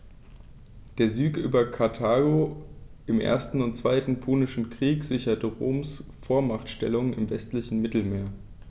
Der Sieg über Karthago im 1. und 2. Punischen Krieg sicherte Roms Vormachtstellung im westlichen Mittelmeer.